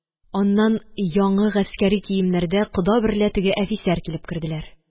Аннан яңы гаскәри киемнәрдә кода берлә теге әфисәр килеп керделәр.